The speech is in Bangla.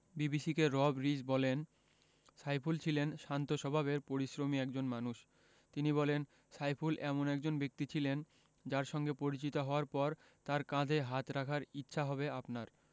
বিবিসিকে রব রিজ বলেন সাইফুল ছিলেন শান্ত স্বভাবের পরিশ্রমী একজন মানুষ তিনি বলেন সাইফুল এমন একজন ব্যক্তি ছিলেন যাঁর সঙ্গে পরিচিত হওয়ার পর তাঁর কাঁধে হাত রাখার ইচ্ছা হবে আপনার